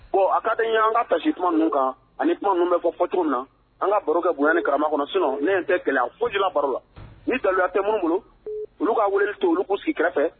Bon a ka di n ye an ka taa segin kuma nunun kan ani kuma nunun bɛ fɔ fɔ cogo min na an ka baro kɛ bonɲa ni karama kɔnɔ sinon ne ɲɛtɛ gɛlɛya fosi la baro la . Ni daluya tɛ minnu bolo olu ka wele to yen olu ku si kɛrɛfɛ